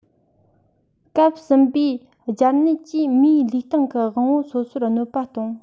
སྐབས གསུམ པའི སྦྱར ནད ཀྱིས མིའི ལུས སྟེང གི དབང བོ སོ སོར གནོད པ གཏོང